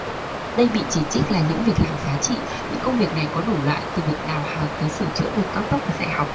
đây bị chỉ trích là những việc làm giá trị những công việc này có đủ loại từ việc đào hào tới sửa chữa đường cao tốc và dạy học